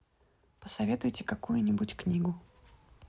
посоветуй какую нибудь книгу